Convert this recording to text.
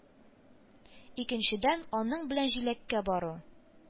Икенчедән, аның белән җиләккә бару